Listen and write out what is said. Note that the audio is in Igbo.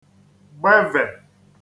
gbevè